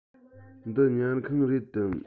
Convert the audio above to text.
འདི ཉལ ཁང རེད དམ